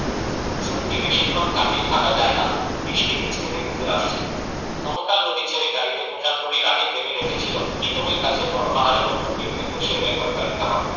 সত্যি বেশিক্ষণ তাকিয়ে থাকা যায় না দৃষ্টি নিজ থেকেই মুদে আসছে মোহকা নদী ছেড়ে গাড়িতে ওঠার পরই রাকিব ভেবে রেখেছিল টিপোহইর কাছে বড় পাহাড়ের ওপর ভিউ পয়েন্টে সে একবার গাড়ি থামাবে